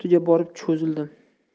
ustiga borib cho'zildim